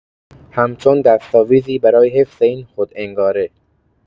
همچون دستاویزی برای حفظ این خودانگاره